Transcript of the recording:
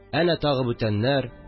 Әнә тагы бүтәннәр